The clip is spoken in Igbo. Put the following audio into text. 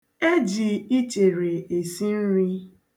E ji ichere esi nri.